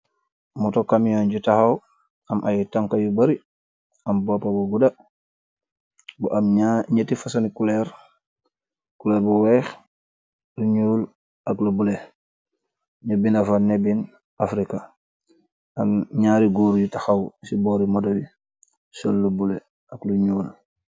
Moto kamion ji taxaw, am ay tonka yu bari, am boppa bu guda bu am ñetti fasani kuleer, bu weex, lu ñuul, ak lu bule, ñu binafa nebin afrika , ak ñaari góor yu taxaw ci boori modowi, sëllu bule ak lu ñuul.